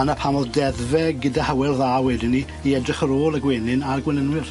A 'na pan o'dd deddfe gyda Hywel Dda wedyn 'ny i edrych ar ôl y gwenyn a'r gwenynwyr.